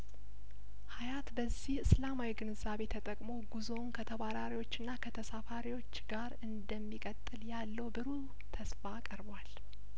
ሀያት በዚህ እስላማዊ ግንዛቤ ተጠቅሞ ጉዞውን ከተባራሪዎችና ከተሳፋሪዎች ጋር እንደሚቀጥል ያለው ብሩህ ተስፋ ቀርቧል